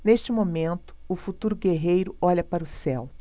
neste momento o futuro guerreiro olha para o céu